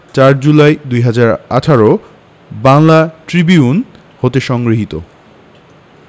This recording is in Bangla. ০৪ জানুয়ারি ২০১৮ বাংলা ট্রিবিউন হতে সংগৃহীত